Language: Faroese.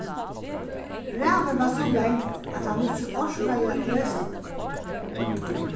brævið var so langt at hann ikki orkaði at lesa tað